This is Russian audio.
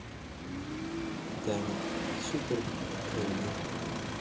даник супер крылья